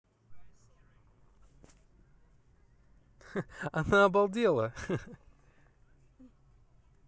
она обалдела